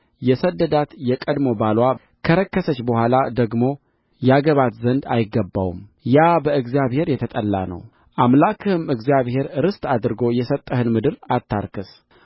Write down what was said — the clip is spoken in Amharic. የሰደዳት የቀድሞ ባልዋ ከረከሰች በኋላ ደግሞ ያገባት ዘንድ አይገባውም ያ በእግዚአብሔር የተጠላ ነው አምላክህም እግዚአብሔር ርስት አድርጎ የሰጠህን ምድር አታርክስ